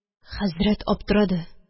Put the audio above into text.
Хәзрәт аптырады